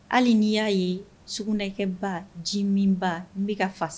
Hali n'i y'a ye sugunɛkɛba ji minba n bɛka ka fa